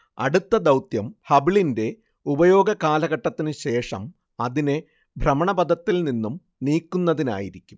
അടുത്ത ദൗത്യം ഹബിളിന്റെ ഉപയോഗ കാലഘട്ടത്തിനു ശേഷം അതിനെ ഭ്രമണപഥത്തിൽ നിന്നും നീക്കുന്നതിനായിരിക്കും